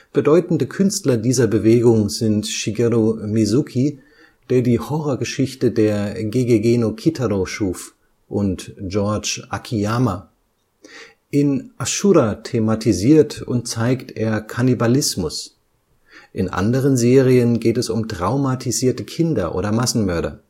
Bedeutende Künstler dieser Bewegung sind Shigeru Mizuki, der die Horrorgeschichte Gegege no Kitaro schuf, und George Akiyama. In Ashura thematisiert und zeigt er Kannibalismus, in anderen Serien geht es um traumatisierte Kinder oder Massenmörder